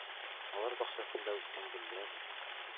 Алар бакчасында үскән гөлләр,